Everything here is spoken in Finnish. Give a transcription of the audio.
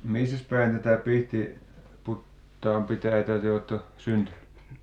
missäs päin tätä - Pihtiputaan pitäjää te olette syntynyt